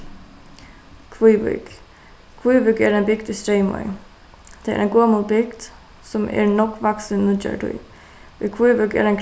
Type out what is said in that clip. kvívík kvívík er ein bygd í streymoy tað er ein gomul bygd sum er nógv vaksin í nýggjari tíð í kvívík er ein